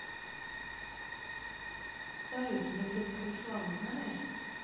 салют анекдот про руслана знаешь